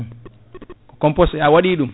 composte a waɗi ɗum